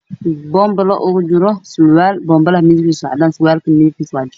Bombale ugu jiro surwaal bombalaha midabkiisu waa caddaan surwaal ka midabkiisana waa jaalo